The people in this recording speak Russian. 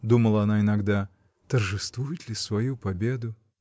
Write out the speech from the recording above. — думала она иногда, — торжествует ли свою победу.